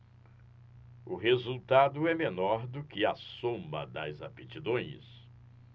o resultado é menor do que a soma das aptidões